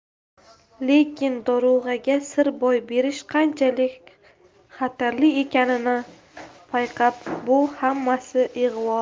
lekin dorug'aga sir boy berish qanchalik xatarli ekanini payqab bu hammasi ig'vo